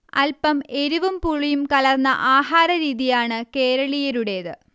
അല്പം എരിവും പുളിവും കലർന്ന ആഹാരരീതിയാണ് കേരളീയരുടേത്